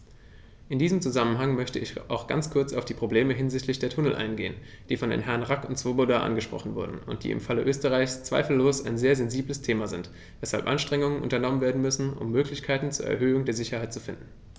In diesem Zusammenhang möchte ich auch ganz kurz auf die Probleme hinsichtlich der Tunnel eingehen, die von den Herren Rack und Swoboda angesprochen wurden und die im Falle Österreichs zweifellos ein sehr sensibles Thema sind, weshalb Anstrengungen unternommen werden müssen, um Möglichkeiten zur Erhöhung der Sicherheit zu finden.